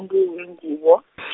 -ntu wengubo .